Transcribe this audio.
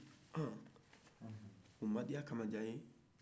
ɔn o ma diya kamajan ye